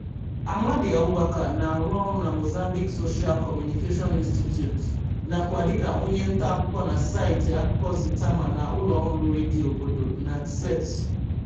Amade Aoubacar na-arụ ọrụ na Mozambique Social Communication Institute nakwa dịka onye ntaakụkọ na saịtị akụkọ Zitamar na ụlọọrụ redio obodo, Nacedje.